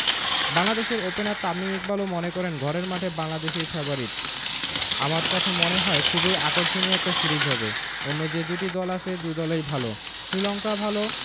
বাংলাদেশের ওপেনার তামিম ইকবালও মনে করেন ঘরের মাঠে বাংলাদেশই ফেবারিট আমার কাছে মনে হয় খুবই আকর্ষণীয় একটা সিরিজ হবে অন্য যে দুটি দল আছে দুই দলই ভালো শ্রীলঙ্কা ভালো